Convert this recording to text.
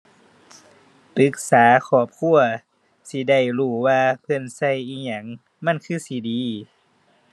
ปรึกษาครอบครัวสิได้รู้ว่า เพิ่นใช้อิหยังมันคือสิดี